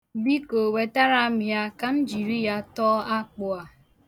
Biko, wetara m ya ka m jiri ya tọọ akpụ a.